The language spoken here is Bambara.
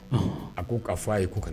A ko k' fɔ a ye ko ka na